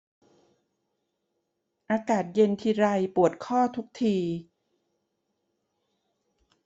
อากาศเย็นทีไรปวดข้อทุกที